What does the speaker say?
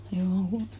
juu